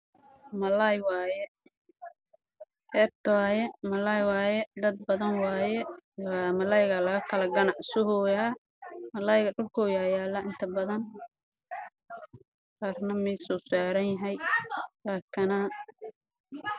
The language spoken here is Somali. Halkaan waxaa ka muuqdo dad badan oo meel taagan waxaana agtooda yaalo malaayo